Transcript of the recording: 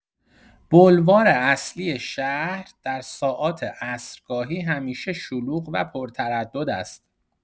بولوار اصلی شهر در ساعات عصرگاهی همیشه شلوغ و پرتردد است.